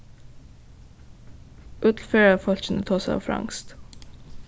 øll ferðafólkini tosaðu franskt